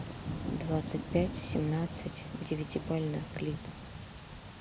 двадцать пять семнадцать девятибально клип